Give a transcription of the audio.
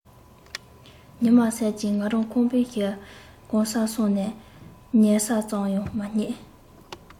གཉིད མ སད ཀྱི ང རང ཁང པའི གང སར སོང ནས ཉལ ས བཙལ ཡང མ རྙེད